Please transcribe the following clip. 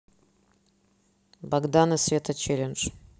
богдан и света челлендж